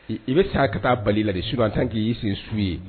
I bɛ sa ka taa bali la su an san k'i'i sen su ye